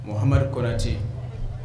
Muha kote